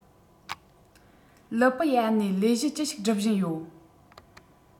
ལི པི ཡ ནས ལས གཞི ཅི ཞིག སྒྲུབ བཞིན ཡོད